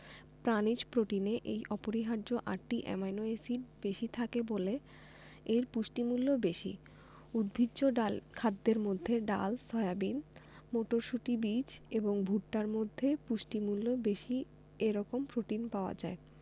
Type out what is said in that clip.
প্রাণিজ প্রোটিনে এই অপরিহার্য আটটি অ্যামাইনো এসিড বেশি থাকে বলে এর পুষ্টিমূল্য বেশি উদ্ভিজ্জ ডাল খাদ্যের মধ্যে ডাল সয়াবিন মটরশুটি বীজ এবং ভুট্টার মধ্যে পুষ্টিমূল্য বেশি এরকম প্রোটিন পাওয়া যায়